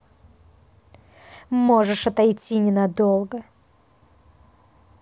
можешь отойти ненадолго